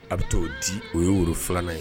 A bɛ taao di o ye woro filanan ye